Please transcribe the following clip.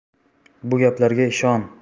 bu gaplarga ishon